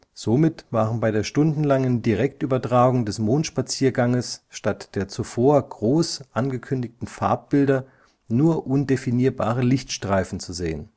Somit waren bei der stundenlangen Direktübertragung des Mondspazierganges statt der zuvor groß angekündigten Farbbilder nur undefinierbare Lichtstreifen zu sehen